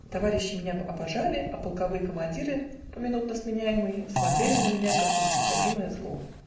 Товарищи меня обожали, а полковые командиры, поминутно сменяемые, смотрели на меня, как на необходимое зло.